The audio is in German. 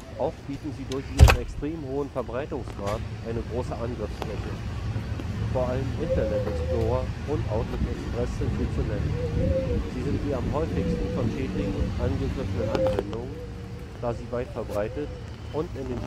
Auch bieten sie durch ihren extrem hohen Verbreitungsgrad eine große Angriffsfläche. Vor allem Internet Explorer und Outlook Express sind hier zu nennen. Sie sind die am häufigsten von Schädlingen angegriffenen Anwendungen, da sie weit verbreitet und in den Standardeinstellungen